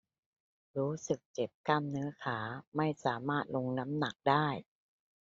รู้สึกเจ็บกล้ามเนื้อขาไม่สามารถลงน้ำหนักได้